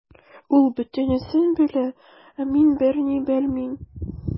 Ул бөтенесен белә, ә мин берни белмим.